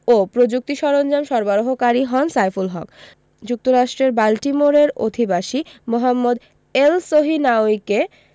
ও প্রযুক্তি সরঞ্জাম সরবরাহকারী হন সাইফুল হক যুক্তরাষ্ট্রের বাল্টিমোরের অধিবাসী মোহাম্মদ এলসহিনাউয়িকে